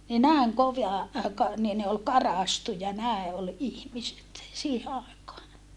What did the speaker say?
niin näin kova - niin ne oli karaistuja näin oli ihmiset siihen aikaan